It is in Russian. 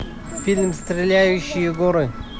фильм стреляющие горы